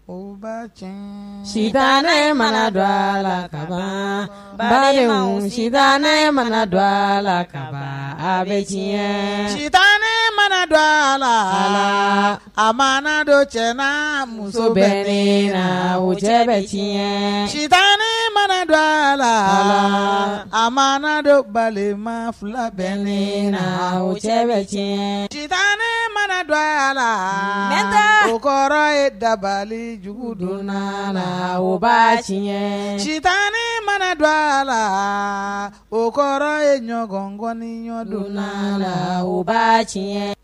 O ba cɛ sita ne mana don a la ka bali si ne mana don a la ka bɛɲɛ sita ne mana dɔ a la a ma dɔ cɛ na muso bɛ la wo cɛ bɛ sita ne mana don a la a ma dɔ balima fila bɛ ne la wo cɛ bɛ tiɲɛ sita ne mana don a la n o kɔrɔ ye dabalijugu don a la ba tiɲɛɲɛ sita ne mana don a la o kɔrɔ ye ɲɔgɔnkɔni ɲɔgɔndon la la ba tiɲɛ